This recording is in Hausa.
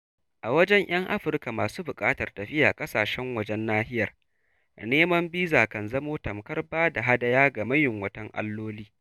A wajen 'yan Afirka masu buƙatar tafiya ƙasashen wajen nahiyar, neman biza kan zamo tamkar ba da hadaya ga mayunwatan alloli.